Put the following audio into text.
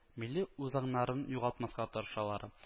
Милли үзаңнарын югалтмаска тырышалар